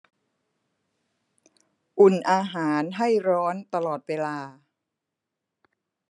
อุ่นอาหารให้ร้อนตลอดเวลา